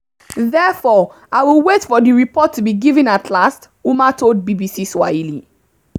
Therefore, I will wait for the report to be given at last, Ouma told BBC Swahili.